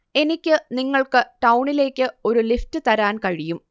എനിക്ക് നിങ്ങൾക്ക് ടൗണിലേക്ക് ഒരു ലിഫ്റ്റ് തരാൻ കഴിയും